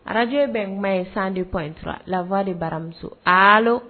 Arajo ye bɛnkuma ye 102.3 la voix de baramuso allo